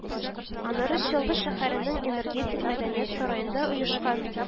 Аннары Чаллы шәһәренең «Энергетик» мәдәният сараенда оешкан